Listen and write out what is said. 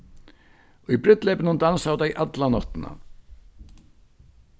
í brúdleypinum dansaðu tey alla náttina